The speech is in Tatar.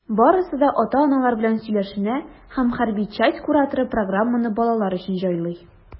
Барысы да ата-аналар белән сөйләшенә, һәм хәрби часть кураторы программаны балалар өчен җайлый.